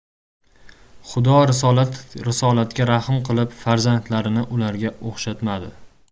xudo risolatga rahm qilib farzandlarini ularga o'xshatmadi